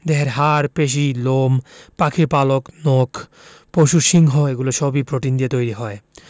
দেহের হাড় পেশি লোম পাখির পালক নখ পশুর শিং এগুলো সবই প্রোটিন দিয়ে তৈরি হয়